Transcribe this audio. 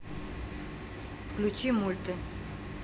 включи мульты